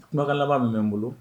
Kumaka laban min bɛ n bolo